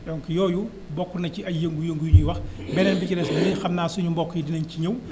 donc yooyu bokk na ci ay yëngu-yëngu yu ñuy wax beneen bi ci des xam naa suñu mbokk yi dinañ ci ñëw